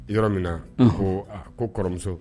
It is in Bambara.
Yɔrɔ min na ko ko kɔrɔmuso